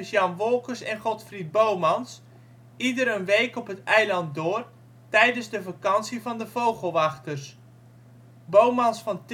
Bomans ieder een week op het eiland door tijdens de vakantie van de vogelwachters; Bomans van